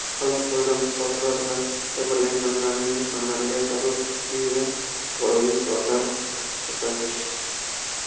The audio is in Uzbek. halok bo'lgan fuqarolar va jabrlanganlarning yaqinlariga zarur tibbiy va psixologik yordam ko'rsatish